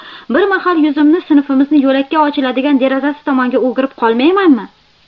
bir mahal yuzimni sinfimizning yo'lakka ochiladigan derazasi tomonga o'girib qolmaymanmi